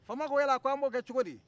faama ko yala ko an b'o kɛ cogodi